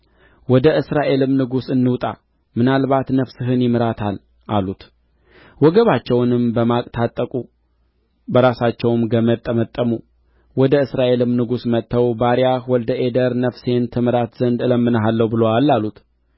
ወደ እስራኤልም ንጉሥ እንውጣ ምናልባት ነፍስህን ይምራታል አሉት ወገባቸውንም በማቅ ታጠቁ በራሳቸውም ገመድ ጠመጠሙ ወደ እስራኤልም ንጉሥ መጥተው ባሪያህ ወልደ አዴር ነፍሴን ትምራት ዘንድ እለምንሃለሁ ብሎአል አሉት